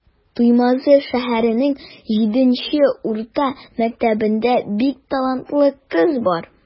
Туймазы шәһәренең 7 нче урта мәктәбендә бик талантлы кыз бар.